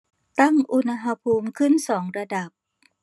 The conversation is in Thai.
ตั้งอุณหภูมิขึ้นสองระดับ